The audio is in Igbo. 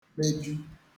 meju